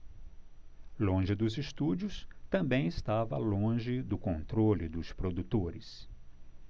longe dos estúdios também estava longe do controle dos produtores